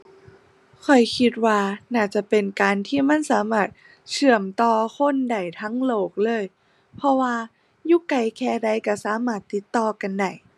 ข้อยคิดว่าน่าจะเป็นการที่มันสามารถเชื่อมต่อคนได้ทั้งโลกเลย เพราะว่าอยู่ไกลแค่ใดก็สามารถติดต่อกันได้